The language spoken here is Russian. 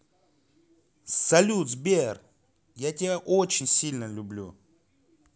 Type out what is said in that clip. салют сбер я тебя очень сильно люблю